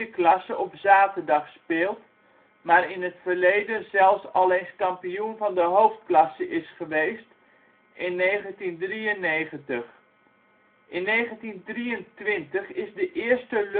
klasse op zaterdag speelt maar in het verleden zelfs al eens kampioen van de hoofdklasse is geweest (1993). In 1923 is de Eerste Lunterse